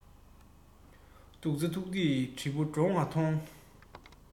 སྡུག རྩ ཐུག དུས སྒྱིད བུ གྲང བ མཐོང